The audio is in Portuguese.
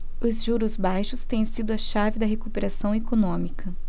os juros baixos têm sido a chave da recuperação econômica